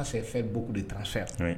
N' se fɛn b de taara fɛ